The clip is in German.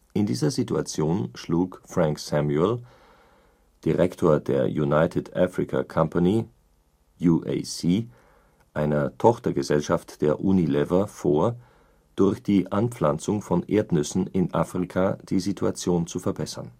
In dieser Situation schlug Frank Samuel, Direktor der United Africa Company (UAC), einer Tochtergesellschaft der Unilever, vor, durch die Anpflanzung von Erdnüssen in Afrika die Situation zu verbessern